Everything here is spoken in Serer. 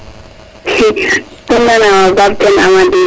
sim nanam